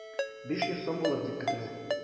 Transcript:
500 сум булыр дип көтелә.